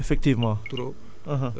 maanaam càmm gi daf fi am solo